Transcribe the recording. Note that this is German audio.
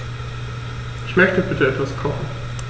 Ich möchte bitte etwas kochen.